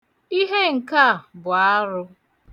Ihe nke a bụ arụ!